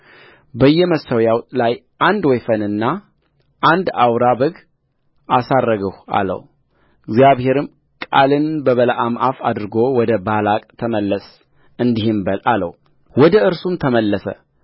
በየመሠዊያውም ላይ አንድ ወይፈንና አንድ አውራ በግ አሳረግሁ አለውእግዚአብሔርም ቃልን በበለዓም አፍ አድርጎ ወደ ባላቅ ተመለስ እንዲህም በል አለውወደ እርሱም ተመለሰ